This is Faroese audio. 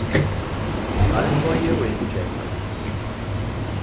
við arbeiði og innkeypi